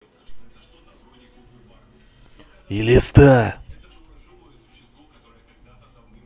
элиста